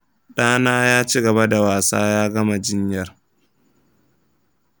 dana ya cigaba da wasa ya gama jinyar.